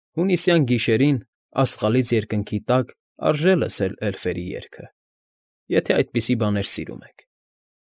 Հունիսյան գիշերին, աստղալից երկնքի տակ արժե լսել էլֆերի երգը, եթե այդպիսի բաներ սիրում եք։